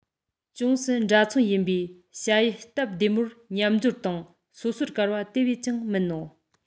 ཅུང ཟད འདྲ མཚུངས ཡིན པའི བྱ ཡུལ སྟབས བདེ མོར མཉམ སྦྱོར དང སོ སོར བཀར བ དེ བས ཀྱང མིན ནོ